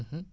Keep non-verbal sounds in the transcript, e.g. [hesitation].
[hesitation] [hesitation]